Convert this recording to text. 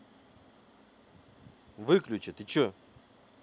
выключи ты че